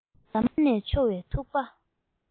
རྫ མ ནས འཕྱོ བའི ཐུག པ